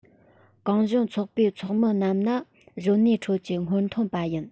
གུང གཞོན ཚོགས པའི ཚོགས མི རྣམས ནི གཞོན ནུའི ཁྲོད ཀྱི སྔོན ཐོན པ ཡིན